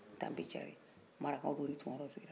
dambejare marakaw do u ni tunkaraw sigira